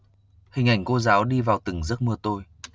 hình ảnh cô giáo đi vào từng giấc mơ tôi